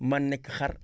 mën na nekk xar